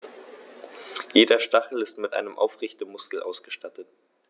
Jeder Stachel ist mit einem Aufrichtemuskel ausgestattet.